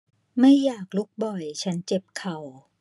ไม่อยากลุกบ่อยฉันเจ็บเข่า